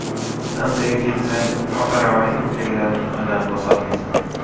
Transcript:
stansiyaga kelsang ot aravaning ko'pligidan qadam bosolmaysan